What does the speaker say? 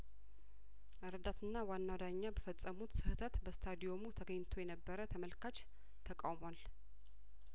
ረዳትና ዋናው ዳኛ በፈጸሙት ስህተት በስታዲየሙ ተገኝቶ የነበረ ተመልካች ተቃውሟል